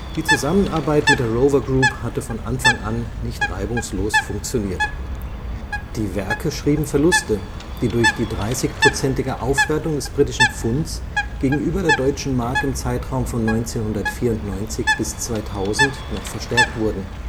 Die Zusammenarbeit mit der Rover Group hatte von Anfang an nicht reibungslos funktioniert. Die Werke schrieben Verluste, die durch die dreißigprozentige Aufwertung des Britischen Pfunds gegenüber der Deutschen Mark im Zeitraum von 1994 bis 2000 noch verstärkt wurden